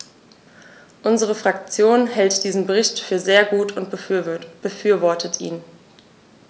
Unsere Fraktion hält diesen Bericht für sehr gut und befürwortet ihn.